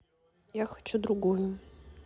я хочу другую